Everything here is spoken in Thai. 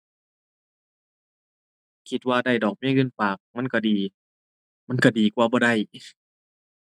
คิดว่าได้ดอกเบี้ยเงินฝาก มันก็ดี มันก็ดีกว่าบ่ได้